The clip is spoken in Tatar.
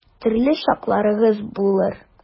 Төрле чакларыгыз булыр.